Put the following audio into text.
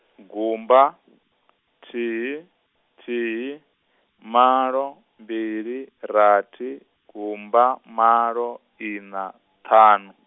gumba, thihi, thihi, malo, mbili, rathi, gumba, malo, ina, ṱhanu.